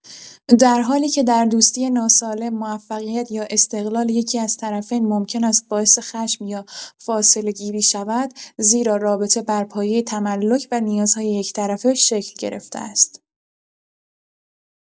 در حالی که در دوستی ناسالم، موفقیت یا استقلال یکی‌از طرفین ممکن است باعث خشم یا فاصله‌گیری شود، زیرا رابطه بر پایه تملک و نیازهای یک‌طرفه شکل گرفته است.